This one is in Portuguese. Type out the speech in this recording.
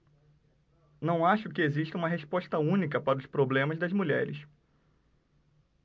não acho que exista uma resposta única para os problemas das mulheres